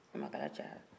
ɲamakalan cayara